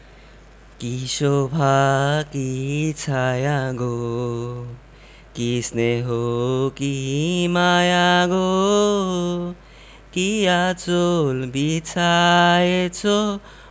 কী শোভা কী ছায়া গো কী স্নেহ কী মায়া গো কী আঁচল বিছায়েছ